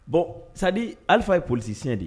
Bɔn sadi alifa a ye p de ye